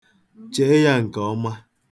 Chee ya nke ọma.